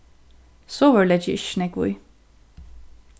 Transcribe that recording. sovorðið leggi eg ikki so nógv í